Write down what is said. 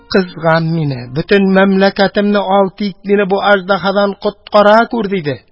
Кызган мине! Бөтен мәмләкәтемне ал, тик мине бу аҗдаһадан коткара күр! – диде.